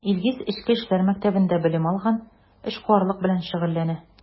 Илгиз Эчке эшләр мәктәбендә белем алган, эшкуарлык белән шөгыльләнә.